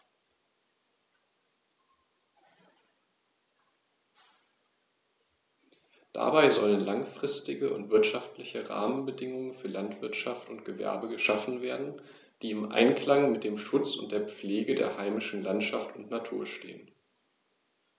Dabei sollen langfristige und wirtschaftliche Rahmenbedingungen für Landwirtschaft und Gewerbe geschaffen werden, die im Einklang mit dem Schutz und der Pflege der heimischen Landschaft und Natur stehen.